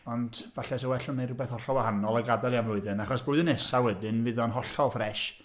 Ond falle 'sa' well nhw wneud rywbeth hollol wahanol, a gadael hi am flwyddyn. Achos blwyddyn nesa wedyn fydd o'n hollol fresh.